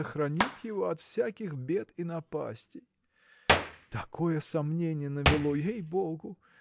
сохранит его от всяких бед и напастей. Такое сомнение навело, ей-богу!